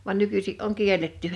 vaan nykyisin on kielletty